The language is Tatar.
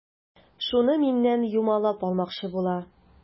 Шуны миннән юмалап алмакчы була.